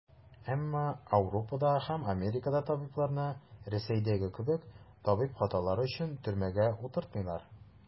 Әмма Ауропада һәм Америкада табибларны, Рәсәйдәге кебек, табиб хаталары өчен төрмәгә утыртмыйлар.